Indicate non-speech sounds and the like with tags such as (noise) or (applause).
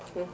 (hesitation) (hesitation)